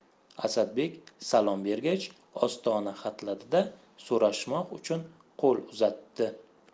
asadbek salom bergach ostona hatladi da so'rashmoq uchun qo'l uzatdi